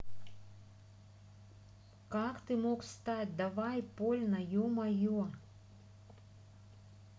как ты мог встать давай польна е мое